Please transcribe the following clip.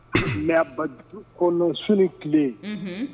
du kɔnɔ su ni tile.